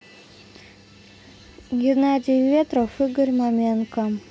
геннадий ветров игорь маменко